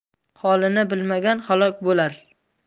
holini bilmagan halok bo'lar